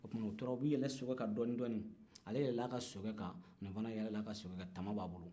u tora ka ɲɛlɛ sokɛ kan dɔɔnin-dɔɔnin ale yɛlɛla a ka sokɛ kan nin fana yɛlɛla a ka so kɛ kan tama b'a bolo